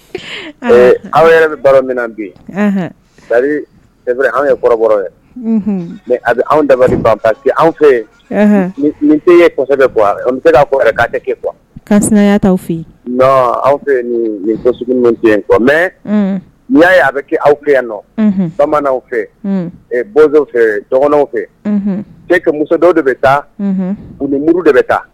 Aw yɛrɛ bɛ baro min bi anw ye kɔrɔ anw dabali parce anw fɛ nin kɔ bɛ an bɛ se fɔ' tɛ kɛ ka sina taw fɛ anw fɛ nin mɛ n' y'a ye a bɛ kɛ aw fɛ yan nɔ bamanan fɛ boz fɛ dɔgɔnw fɛ muso dɔw de bɛ taa ani muru de bɛ taa